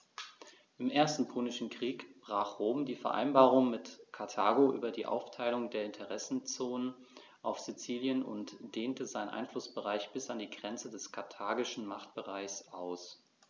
Im Ersten Punischen Krieg brach Rom die Vereinbarung mit Karthago über die Aufteilung der Interessenzonen auf Sizilien und dehnte seinen Einflussbereich bis an die Grenze des karthagischen Machtbereichs aus.